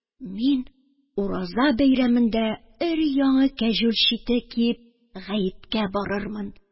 Мин, ураза бәйрәмендә өр-яңы кәҗүл читек киеп, гаеткә барырмын